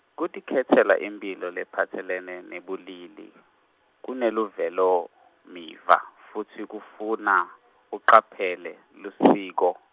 kutikhetsela imphilo lephatselene nebulili, kuneluvelomiva, futsi kufuna, ucaphele, lusiko-.